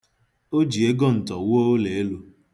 O ji ego ntọ wuo ụlọ elu.